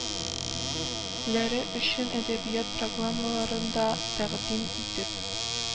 Ләре өчен әдәбият программалары»нда тэкъдим ителеп,